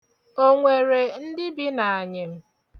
Onwere ndị bi n'akụkụ anyịm?